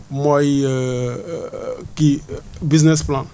mooy kii business plan